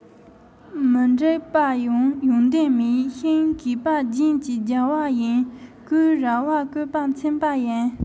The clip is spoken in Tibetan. མི འགྲིག པ ཡང ཡོང དོན མེད ཤིང གས པ སྤྱིན གྱིས སྦྱར བ ཡིན གོས རལ པ སྐུད པས འཚེམ པ ཡིན